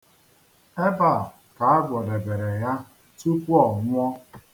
Ebe a ka a gwọdebere ya tupu ọ nwụọ.